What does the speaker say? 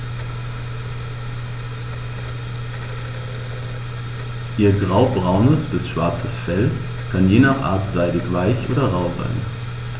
Ihr graubraunes bis schwarzes Fell kann je nach Art seidig-weich oder rau sein.